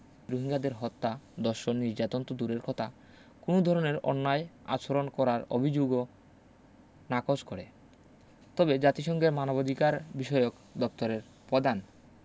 রোহিঙ্গাদের হত্যা দর্ষণ নির্যাতন তো দূরের কতা কোনো ধরনের অন্যায় আচরণ করার অভিযুগও নাকচ করে তবে জাতিসংঘের মানবাধিকারবিষয়ক দপ্তরের পধান